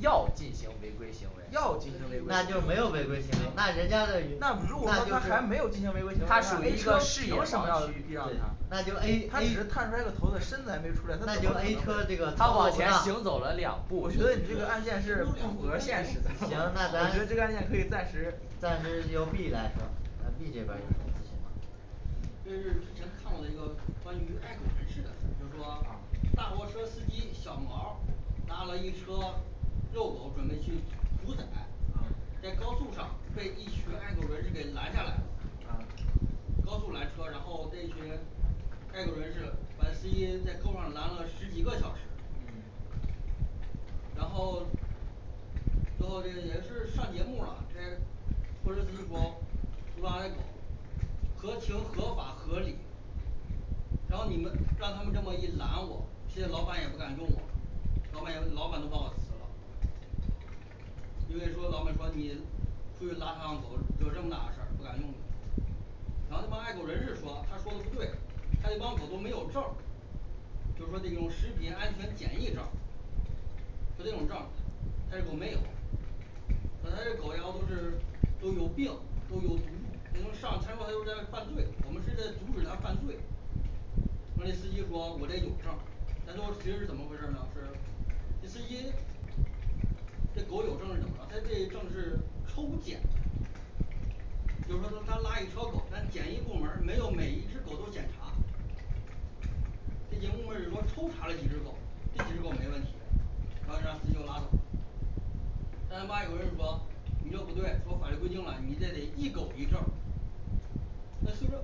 要进行违规行为要进行违规那就行为没有违规行为，那人家的那那如果说就他是还没有进行违规行为的话它属于 A 一个车视野凭什么要盲区避让他那就A 他只是 A，探出来个头子身子还没出来他怎那就么 A 可车的能这会个头他往往前上行走了两步我觉得你这个案件是不符合现实的， 我行那觉得咱这个案件可以暂时暂时就B来说呃B这边儿来说案情就是之前看过的一个关于爱狗人士的，就是说啊大货车司机小毛拉了一车肉狗准备去屠宰啊，在高速上被一群爱狗人士给拦下来了。啊高速拦车，然后这些爱狗人士把司机在高速上拦了十几个小时嗯然后最后是也是上节目了，公安局说他们拦狗合情合法合理然后你们让他们这么一拦我，其实老板也不敢用我，老板用老板都把我辞了因为说老板说你出去拉趟爱狗惹这么大的事儿不敢用你了然后那帮爱狗人士说，他做的不对，他就光股东没有证儿就是说这种食品安全检疫证儿就这种证但是我没有本来是这狗就是，都有病都有毒上餐吧他又在犯罪，我们是在阻止他犯罪。而且司机说我这有证儿，但最后其实是怎么回事儿呢是这司机这狗有证儿是怎么了？它这证儿是抽检的，就说他拉拉一车狗，但检疫部门儿没有每一只狗都检查这些部门如果抽查了几只狗，这几只狗没问题，然后就让让拉走啦那么还有人说你这不对，说法律规定了，你这得一狗一证儿那所以说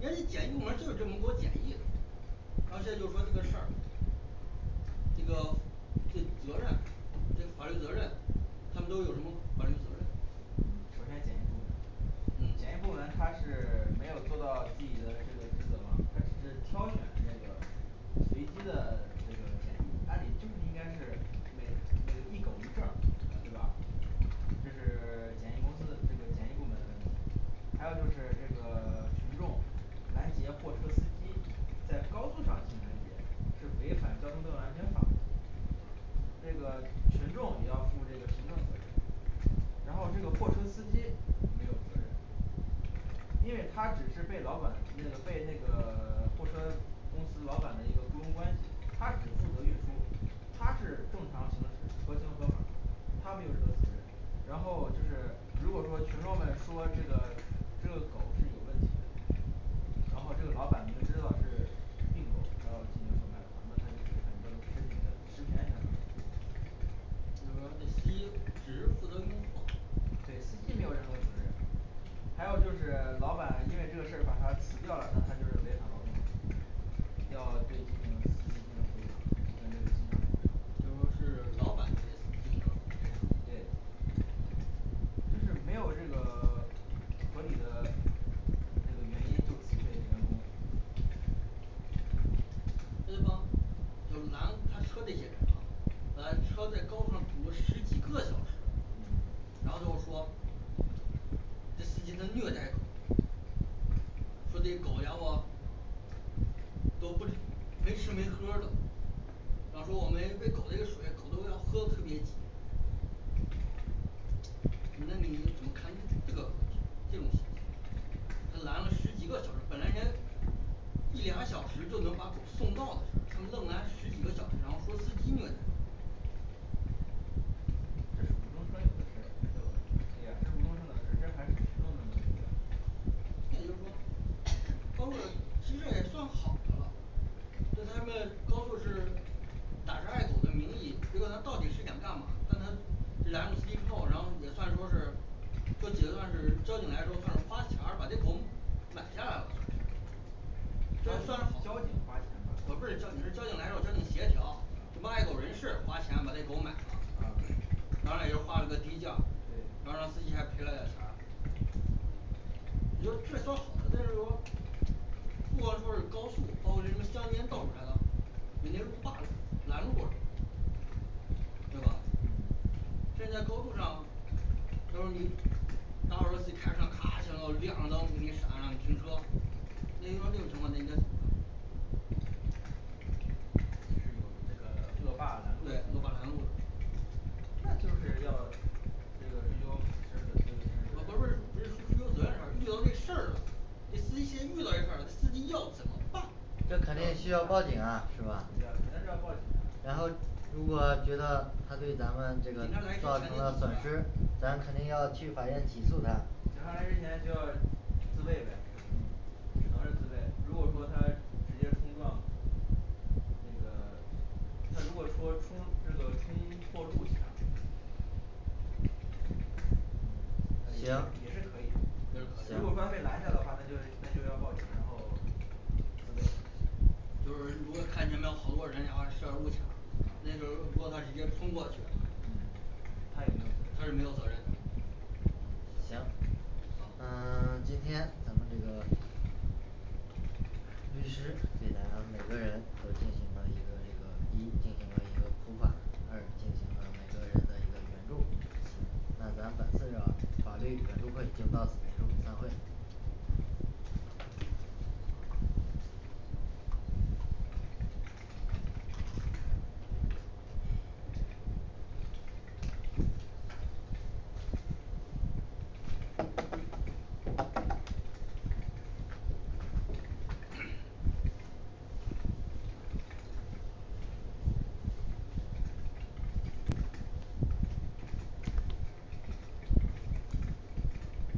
人家检疫部门就有这么多检疫的而且就是说这个事儿这个这责任、这法律责任。他们都有什么法律责任。嗯首先检疫部门，嗯检疫部门他是没有做到自己的这个职责嘛，他只是挑选那个随机的 这个检疫按理就是应该是每呃一狗一证儿呃对吧？这是检疫公司这个检疫部门的问题。还有就是这个 群众拦截货车司机在高速上进行拦截，是违反交通道路安全法的，那个这个群众也要负这个行政责任，然后这个货车司机没有责任，因为他只是被老板那个被那个 货车公司老板的一个雇佣关系，他只负责运输，他是正常行驶合情合法，他没有任何责任然后就是如果说群众们说这个这个狗是有问题的，然后这个老板明知道是病狗，然后进行售卖的话，那他就是违反这食品食品安全法就是说这个司机只是负责运输吧对司机没有任何责任。还有就是老板因为这个事儿把他辞掉了，那他就是违反劳动法，要对进行司机进行赔偿赔偿这个精神补偿就是说是老板给他进行赔偿对这是没有这个 合理的 那个原因就辞退员工对方，就是拦他车这些人啊拦车在高速上堵了十几个小时嗯，然后最后说这司机他虐待狗，说这狗咬我，狗不没吃没喝儿的。他说我喂给狗子喂水狗子一喝特别急那您怎么看这个问题，他拦了十几个小时本来人家一俩小时就能把狗送到的事儿他们能拦十几个小时然后司机一个人这是无中生有的事是吗？对啊这是无中生有的事这还是群众的责任再就说& &。光这其实这也算好的了。但是他们高度是打着爱狗的名义，结果他到底是想干嘛，但是他拦住司机之后，然后也算说是这劫算是交警来说算是花钱儿把这狗买下来了。算是这算是好交警花钱把呃狗不买是了交警是交警来时候交警协调他们爱狗人士花钱把这狗买了啊。当然也是花了个低价，对然后让司机还赔了点儿钱儿。你说这都所以说不管说是高速，高危人家叭拦路了对吧嗯？甚至在高速上着人急大货车咔咔咔亮灯一闪比如说那你说是有这个恶霸对拦路了恶霸拦路了那就是要这个追究责任追不是不是究责任了不是追究责任了遇到这个事儿了对于这些恶人司机要怎么办这肯定需要报警啊是吧对啊那这要报警？的啊然后如果觉得他对这个咱们这个造成了损失，咱肯定要去法院起诉他，警察来之前就要自卫呗嗯，只能是自卫如果说他直接冲撞那个，他如果说冲那个冲破路卡呃也是也行行是可以的如果说他被拦下的话，那就那就要报警，然后自卫就是如果看前面有好多人然后设路卡，那就是如果他直接冲过去嗯，他他也没有责任是没有责任嗯的。行。好嗯 今天咱们这个律师给咱们每个人都进行了一个这个一进行了一个普法，二进行了每个人的一个援助。行，那咱本次这个法律援助会就到此结束，散会。